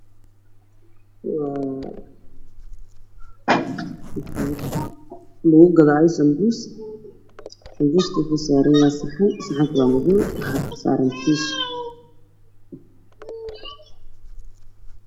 Waa maqad laku gadaya sabuus sabuska waxow saranyahay saxan waa madow waxa korsaran tiisha